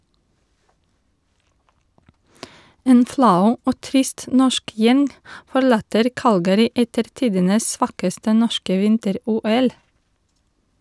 En flau og trist norsk gjeng forlater Calgary etter tidenes svakeste norske vinter-OL.